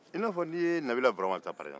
i n'a fɔ n'i ye nabila burama ta par exemple